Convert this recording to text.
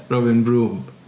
Robin Broom.